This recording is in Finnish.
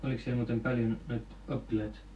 oliko siellä muuten paljon noita oppilaita